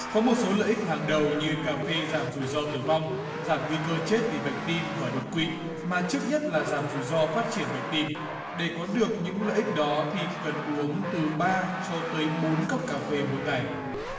có một số lợi ích hàng đầu như cà phê giảm rủi ro tử vong giảm nguy cơ chết vì bệnh tim và đột quỵ mà trước nhất là giảm rủi ro phát triển bệnh tim để có được những lợi ích đó thì cần uống từ ba cho tới bốn cốc cà phê mỗi ngày